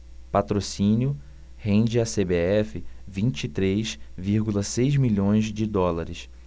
patrocínio rende à cbf vinte e três vírgula seis milhões de dólares